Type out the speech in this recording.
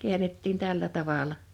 käännettiin tällä tavalla